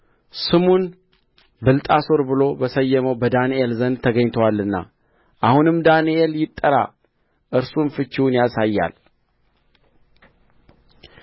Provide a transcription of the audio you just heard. ስሙን ብልጣሶር ብሎ በሰየመው በዳንኤል ዘንድ ተገኝቶአልና አሁንም ዳንኤል ይጠራ እርሱም ፍቺውን ያሳያል